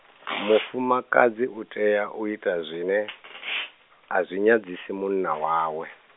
mufumakadzi utea u ita zwine , azwi nyadzisi munna wawe.